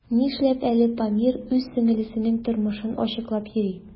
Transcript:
Нишләп әле Памир үз сеңлесенең тормышын ачыклап йөри?